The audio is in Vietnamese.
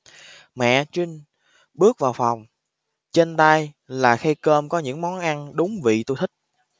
mẹ trinh bước vào phòng trên tay là khay cơm có những món ăn đúng vị tôi thích